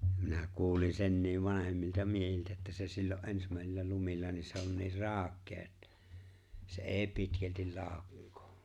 minä kuulin senkin vanhemmilta miehiltä että se silloin ensimmäisillä lumilla niin se on niin raukea että se ei pitkälti laukkaa